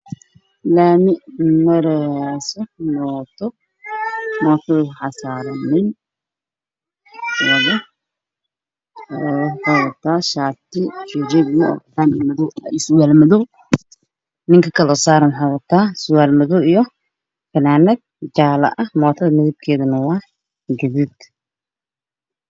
Laami mareyso mooto waxaa saran nin